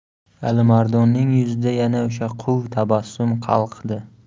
alimardonning yuzida yana o'sha quv tabassum qalqdi